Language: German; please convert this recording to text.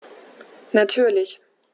Natürlich.